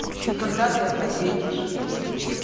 и когда ты это ответишь